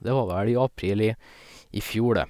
Det var vel i april i i fjor, det.